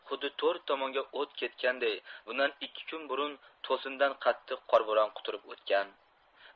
xuddi to'rt tomonga o't ketganday bundan ikki kun burun to'sindan qattiq qorbo'ron quturib o'tgan